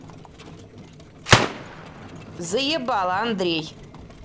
заебала андрей